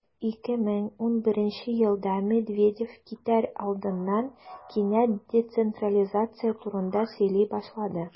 2011 елда медведев китәр алдыннан кинәт децентрализация турында сөйли башлады.